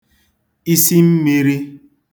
isi mmīrī